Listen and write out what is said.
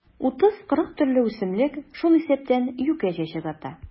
30-40 төрле үсемлек, шул исәптән юкә чәчәк ата.